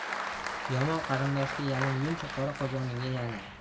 yomon qarindoshga yalinguncha qora qozoningga yalin